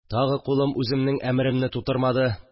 Тагы кулым үземнең әмеремне тутырмады